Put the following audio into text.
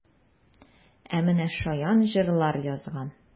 Ә менә шаян җырлар язган!